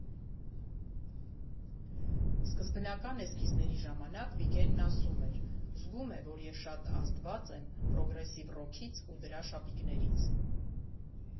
Սկզբնական էսքիզների ժամանակ Վիգենն ասում էր՝ զգում է, որ ես շատ ազդված եմ պրոգրեսիվ ռոքից ու դրա շապիկներից։